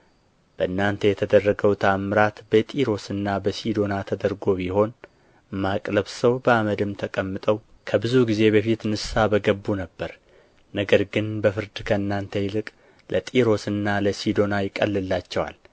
በእናንተ የተደረገው ተአምራት በጢሮስና በሲዶና ተደርጎ ቢሆን ማቅ ለብሰው በአመድም ተቀምጠው ከብዙ ጊዜ በፊት ንስሐ በገቡ ነበር ነገር ግን በፍርድ ከእናንተ ይልቅ ለጢሮስና ለሲዶና ይቀልላቸዋል